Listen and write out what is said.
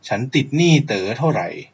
ฉันติดหนี้เต๋อเท่าไร